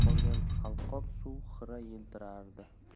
qolgan halqob suv xira yiltirardi